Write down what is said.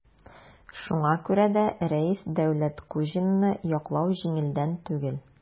Шуңа күрә дә Рәис Дәүләткуҗинны яклау җиңелдән түгел.